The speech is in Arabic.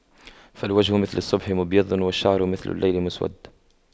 فالوجه مثل الصبح مبيض والشعر مثل الليل مسود